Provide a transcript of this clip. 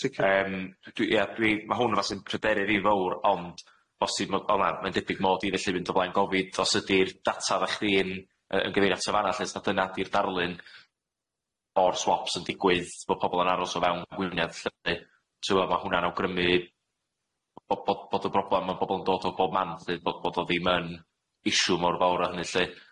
Ie sicir. Yym dwi ie dwi ma' hwn yn fas yn pryderu fi'n fowr ond bosib ma' o'n ar- ma'n debyg mod i felly mynd o blaen gofid os ydi'r data oddach chdi'n yy yn gyfeirio ato fan'a lly os nad yna di'r darlun o'r swops yn digwydd bo' pobol yn aros o fewn gwewniad lly t'mod ma' hwnna'n awgrymu bo' bo' bod y broblam ma' pobol yn dod o bob man ddeud bo' bod o ddim yn issue mor fawr o hynny lly.